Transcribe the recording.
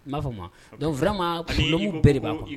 I ma famu wa? Donc vraiment problème bɛɛ de ba kɔnɔ